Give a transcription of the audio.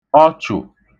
ọchụ̀